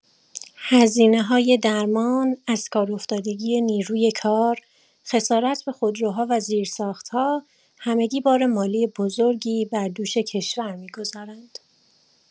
هزینه‌های درمان، ازکارافتادگی نیروی کار، خسارت به خودروها و زیرساخت‌ها، همگی بار مالی بزرگی بر دوش کشور می‌گذارند.